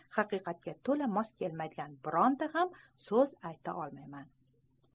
haqiqatga to'la mos kelmaydigan bironta so'z ayta olmayman